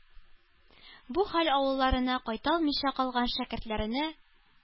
Бу хәл авылларына кайта алмыйча калган шәкертләрне